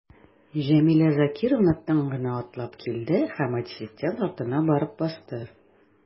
Җәмилә Закировна тын гына атлап килде һәм ассистент артына барып басты.